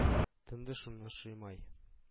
Тынды шуннан Шимай